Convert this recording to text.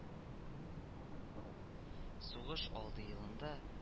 Сугыш алды елында